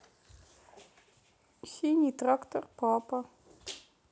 синий трактор папа